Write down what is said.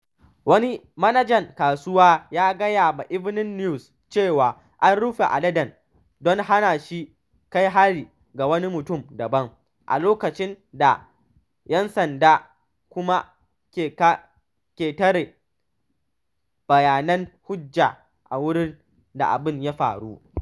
Wani manajan kasuwa ya gaya wa Evening News cewa an rufe aladen don hana shi kai hari ga wani mutum daban, a lokacin da ‘yan sanda kuma ke tara bayanan hujja a wurin da abin ya faru.